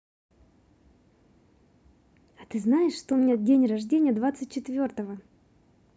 а ты знаешь что у меня день рождения двадцать четвертого